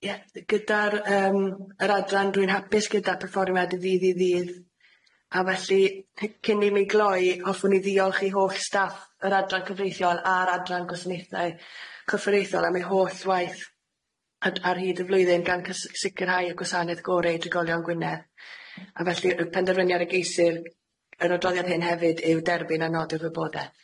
Ie gyda'r yym yr adran dwi'n hapus gyda perfformiad o ddydd i ddydd a felly hy- cyn i mi gloi hoffwn i ddiolch i holl staff yr adran cyfreithiol a'r adran gwasanaethau cyfroriaethiol am ei holl waith hyd- ar hyd y flwyddyn gan cys- sicirhau y gwasanaeth gore i drigolion Gwynedd a felly y penderfyniad y geisir yn adroddiad hyn hefyd yw derbyn a nod y wybodeth